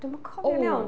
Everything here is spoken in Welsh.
Dwi'm yn cofio'n iawn.